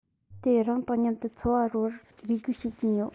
དེ རང དང མཉམ དུ འཚོ བ རོལ བར རེ སྒུག བྱེད ཀྱིན ཡོད